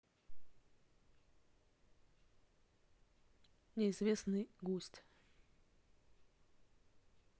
неизвестный гость